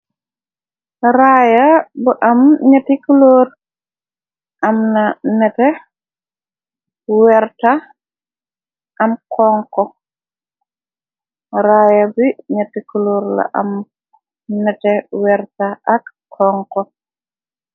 Raaya bu am nyetti kuloor amna nete werta ak konko raaya bi nyatti kuloor lu am nete werta ak xonko.